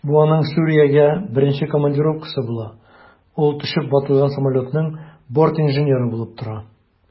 Бу аның Сүриягә беренче командировкасы була, ул төшеп ватылган самолетның бортинженеры булып тора.